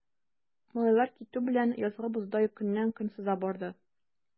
Малайлар китү белән, язгы боздай көннән-көн сыза барды.